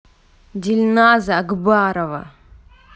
дильназа акбарова